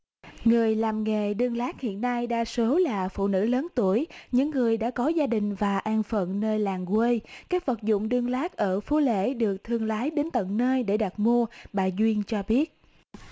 người làm nghề đương lát hiện nay đa số là phụ nữ lớn tuổi những người đã có gia đình và an phận nơi làng quê các vật dụng đương lát ở phú lễ được thương lái đến tận nơi để đặt mua bà duyên cho biết